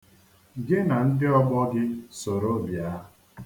Gị na ndị ọgbọ gị soro bịa.